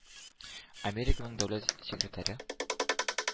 Американың дәүләт секретаре